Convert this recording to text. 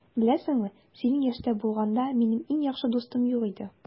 Беләсеңме, синең яшьтә булганда, минем иң яхшы дустым юк иде.